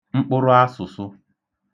mkpụrụasụ̀sụ